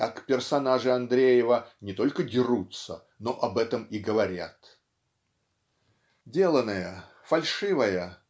Так, персонажи Андреева не только дерутся, но об этом и говорят. Деланная фальшивая